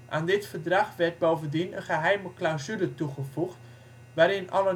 Aan dit verdrag werd bovendien een geheime clausule toegevoegd, waarin al